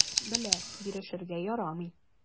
Белә: бирешергә ярамый.